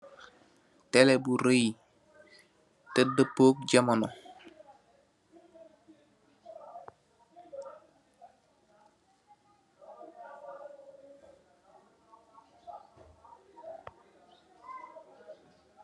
Teleh bu reei teh depok jamano.